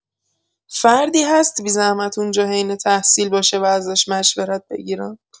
فردی هست بی‌زحمت اونجا حین تحصیل باشه و ازش مشورت بگیرم؟